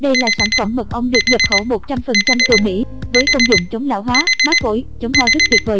đây là sản phẩm mật ong được nhập khẩu phần trăm từ mỹ với công dụng chống lão hóa mát phổi chống ho rất tuyệt vời